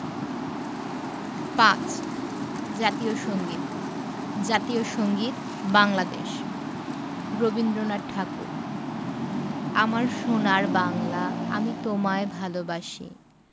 ৫ জাতীয় সংগীত জাতীয় সংগীত বাংলাদেশ রবীন্দ্রনাথ ঠাকুর আমার সোনার বাংলা আমি তোমায় ভালোবাসি